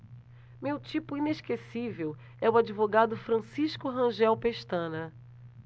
meu tipo inesquecível é o advogado francisco rangel pestana